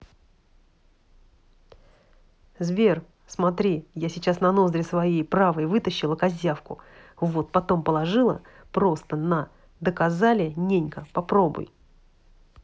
сбер смотри я сейчас на ноздри своей правой вытащила козявку вот потом положила просто на доказали ненька попробуй